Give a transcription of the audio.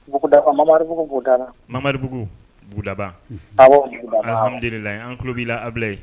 Mamaribugu bugudabamla an tulo b'i la abila ye